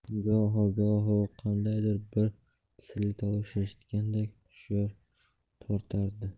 goho goho u qandaydir bir sirli tovush eshitgandek hushyor tortardi